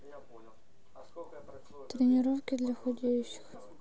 тренировки для худеющих